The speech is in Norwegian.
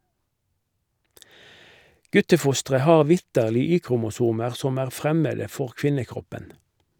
Guttefostre har vitterlig y-kromosomer som er fremmede for kvinnekroppen.